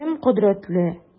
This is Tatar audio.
Кем кодрәтле?